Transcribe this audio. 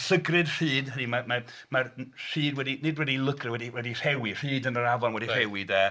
Llygru'r rhyd hynny yw, mae'r... mae'r... mae'r rhyd wedi... nid wedi lygru, wedi rewi, rhyd yn yr afon wedi rhewi 'de